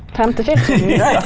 frem til filtret .